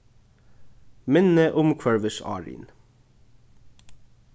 minni umhvørvisárin